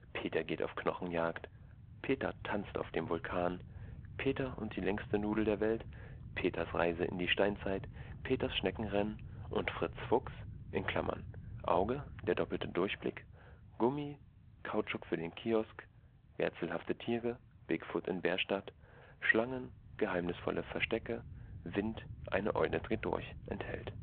Peter geht auf Knochenjagd, Peter tanzt auf dem Vulkan, Peter und die längste Nudel der Welt, Peters Reise in die Steinzeit, Peters Schnecken rennen] und Fritz Fuchs [Auge Der doppelte Durchblick, Gummi Kautschuk für den Kiosk, Rätselhafte Tiere Bigfoot in Bärstadt, Schlangen Geheimnisvolle Verstecke, Wind Eine Mühle dreht durch] enthält